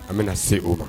An bɛna se o ma